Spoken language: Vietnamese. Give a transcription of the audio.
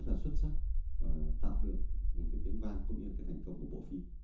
là xuất sắc và tạo được kế tiếng vang cũng như là cái thành công của bộ phim